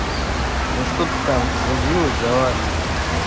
ну что ты там загрузись давай